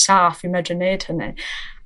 saff i medru neud hynny?